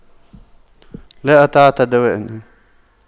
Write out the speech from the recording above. لا أتعاطى دواء